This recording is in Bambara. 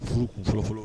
Furu fɔlɔfɔlɔ